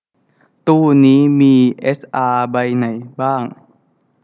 ตู้นี้มีเอสอาใบไหนบ้าง